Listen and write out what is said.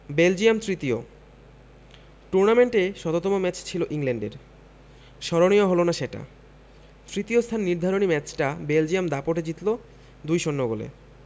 Belgium তৃতীয় টুর্নামেন্টে শততম ম্যাচ ছিল ইংল্যান্ডের স্মরণীয় হলো না সেটা তৃতীয় স্থান নির্ধারণী ম্যাচটা বেলজিয়াম দাপটে জিতল ২ ০ গোলে